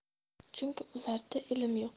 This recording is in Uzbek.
chunki ularda ilm yo'q